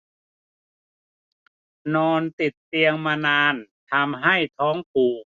นอนติดเตียงมานานทำให้ท้องผูก